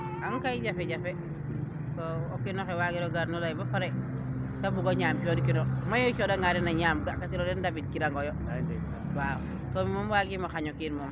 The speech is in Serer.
ankay jafe jafe o kiinoxe waagiro gar nu ley boo pare te bugo ñaam cooɗ kino mayuo coonda nga den a ñaam ga ka tiro ndambid kirango yo waaw to mi moo wagimo xaño kiin moom